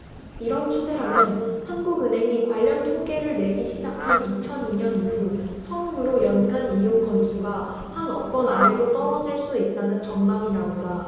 이런 추세라면 한국은행이 관련통계를 내기 시작한 이천 이 년 이후 처음으로 연간 이용 건수가 한 억건 아래로 떨어질 수 있다는 전망이 나온다